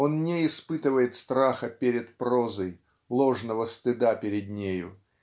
он не испытывает страха перед прозой ложного стыда перед нею